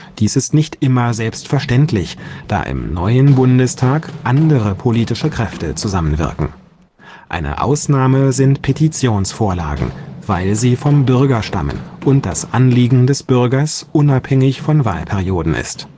Dies ist nicht immer selbstverständlich, da im neuen Bundestag andere politische Kräfte zusammen wirken. Eine Ausnahme sind Petitionsvorlagen, weil sie vom Bürger stammen und das Anliegen des Bürgers unabhängig von Wahlperioden ist